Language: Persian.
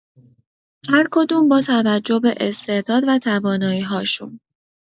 هرکدوم با توجه به استعداد و توانایی‌هاشون